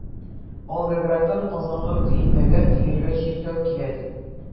Волгоградтан Казанга көймәгә төялгән чиркәү килә, ди.